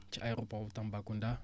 ci aéroport Tambacounda